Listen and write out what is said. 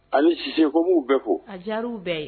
Ali siseko maaww bɛɛ ko adiw bɛɛ ye yen